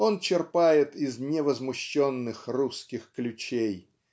Он черпает из невозмущенных русских ключей.